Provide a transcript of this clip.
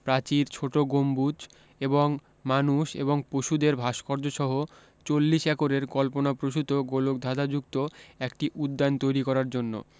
প্রাচীর ছোট গম্বুজ এবং মানুষ এবং পশুদের ভাস্কর্যসহ চল্লিশ একরের কল্পনাপ্রসূত গোলকধাঁধা্যুক্ত একটি উদ্যান তৈরী করার জন্য